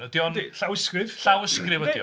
Ydi o'n llawysgrif? Llawysgrif ydi o?